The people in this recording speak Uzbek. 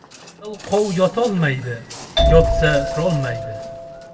yalqov yotolmaydi yotsa turolmaydi